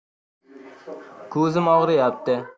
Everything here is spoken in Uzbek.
kozim og'riyapti